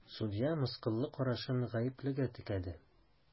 Судья мыскыллы карашын гаеплегә текәде.